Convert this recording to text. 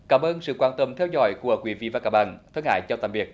cảm ơn sự quan tâm theo dõi của quý vị và các bạn thân ái chào tạm biệt